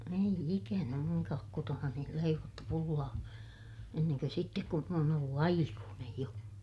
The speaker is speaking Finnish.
ei ikänä minunkaan kotonani leivottu pullaa ennen kuin sitten kun minä olen ollut aikuinen jo